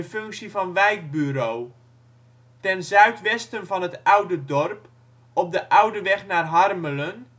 functie van wijkbureau. Ten zuidwesten van het oude dorp, op de oude weg naar Harmelen